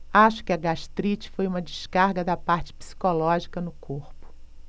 acho que a gastrite foi uma descarga da parte psicológica no corpo